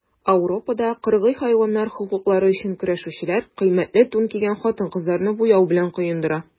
Ауропада кыргый хайваннар хокуклары өчен көрәшүчеләр кыйммәтле тун кигән хатын-кызларны буяу белән коендыра.